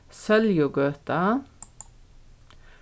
sóljugøta